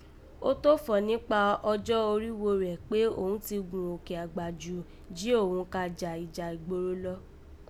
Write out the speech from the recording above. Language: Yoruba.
Ó tọ́n fọ̀ níkpa ọjọ́ orígho rẹ̀ kpé òghún ti gùn òkè àgbà jù jí òghun ka jà ìjà ìgboro lọ